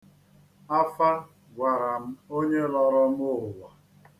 Afa gwara m onye lọrọ m ụwa.